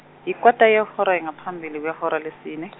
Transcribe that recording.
yikota yehora ngaphambili kwehora lesine.